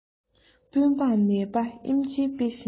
དཔོན འབངས ནད པ ཨེམ ཆིའི དཔེ བཞིན དུ